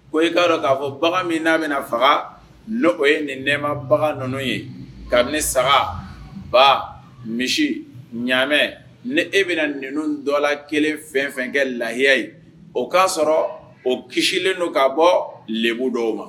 Ko i'a dɔn k'a fɔ bagan min n'a bɛna faga o ye nin nɛma bagan ninnu ye ka ne saga ba misi ɲamɛ ni e bɛna na ninnu dɔ la kelen fɛn fɛn kɛ lahiya ye o k'a sɔrɔ o kisisilen don k kaa bɔ le dɔw ma